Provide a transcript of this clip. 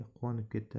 quvonib ketdi